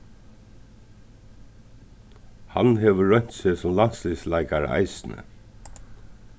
hann hevur roynt seg sum landsliðsleikara eisini